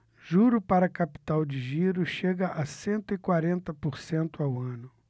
juro para capital de giro chega a cento e quarenta por cento ao ano